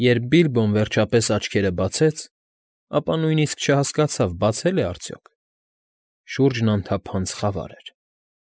Երբ Բիլբոն վերջապես աչքերը բացեց, ապա նույնիսկ չհասկացավ՝ բացե՞լ է արդյոք. շուրջն անթափանց խավար էր։